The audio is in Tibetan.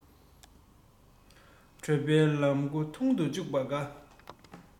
གྲོད པའི ལག མགོ ཐུང དུ བཅུག པ དགའ